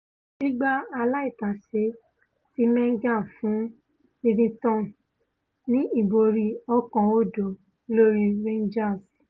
Gbígbá aláìtàsé ti Menga fún Livingston ní ìborí 1-0 lórí Rangers.